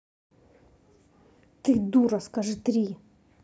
ты дура скажи три